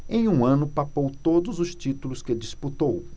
em um ano papou todos os títulos que disputou